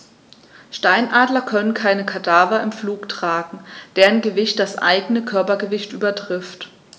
Steinadler können keine Kadaver im Flug tragen, deren Gewicht das eigene Körpergewicht übertrifft.